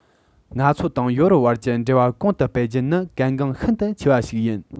ང ཚོ དང ཡོ རོབ བར གྱི འབྲེལ བ གོང དུ སྤེལ རྒྱུ ནི གལ འགངས ཤིན ཏུ ཆེན པོ ཞིག ཡིན